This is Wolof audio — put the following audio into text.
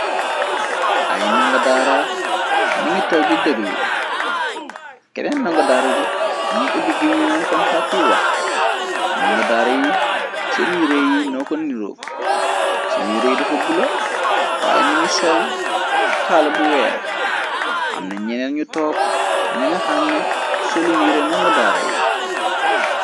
ay ndongodaara ni ngi toog di dëglu keneen ndongodaara bi ñi ubi giminaam kom sàkkuy wax ndongodaara yi seni rëey yi noko nniroog seni rëey dafa bula waaye ningi sol kaala bu weex amna ñeneen ñu took ñanga xam ne solu ndire ndongo daara yi